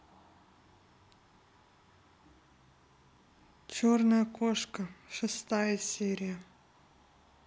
черная кошка шестая серия